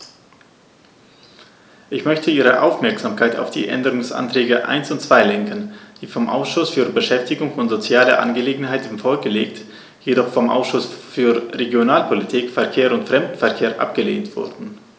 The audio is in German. Ich möchte Ihre Aufmerksamkeit auf die Änderungsanträge 1 und 2 lenken, die vom Ausschuss für Beschäftigung und soziale Angelegenheiten vorgelegt, jedoch vom Ausschuss für Regionalpolitik, Verkehr und Fremdenverkehr abgelehnt wurden.